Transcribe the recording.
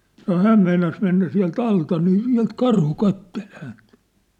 sanoi hän meinasi mennä sieltä alta niin sieltä karhu katseli häntä